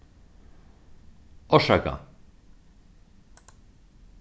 orsaka